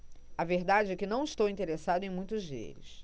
a verdade é que não estou interessado em muitos deles